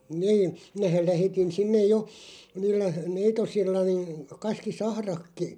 niin minähän lähetin sinne jo niillä neitosilla niin kaskisahratkin